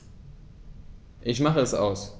Ich mache es aus.